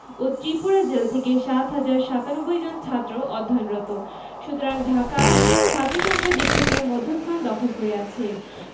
ও ত্রিপুরা জেলা থেকে ৭ হাজার ৯৭ জন ছাত্র অধ্যয়নরত সুতরাং ঢাকা ছাত্রসংখ্যার দিক থেকে মধ্যস্থান দখল করে আছে